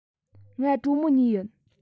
ང གྲོ མོ ནས ཡིན